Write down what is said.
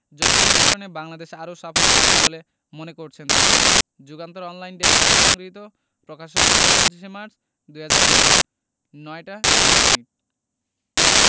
যক্ষ্মানিয়ন্ত্রণে বাংলাদেশ আরও সাফল্য পাবেই বলে মনে করছেন তারা যুগান্তর অনলাইন ডেস্ক হতে সংগৃহীত প্রকাশের সময় ২৫ সে মার্চ ২০১৮ ০৯ টা ১১ মিনিট